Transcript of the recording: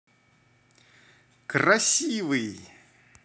красивый